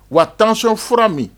Wa tanso fura min